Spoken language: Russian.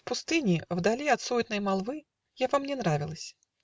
- в пустыне, Вдали от суетной молвы, Я вам не нравилась.